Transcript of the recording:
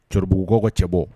Cɔrbugukaw ka cɛ bɔ.